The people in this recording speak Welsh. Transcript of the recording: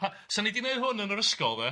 Pa- Sa ni 'di 'neud hwn yn yr ysgol de,